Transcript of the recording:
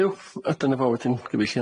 Huw da dyna fo wedyn gyfeillion.